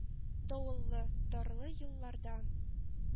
Давыллы, дарылы елларда.